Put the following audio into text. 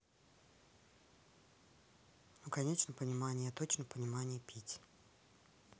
ну конечно понимание я точно понимание пить